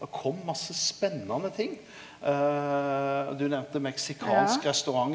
det kom masse spennande ting og du nemnde meksikansk restaurant.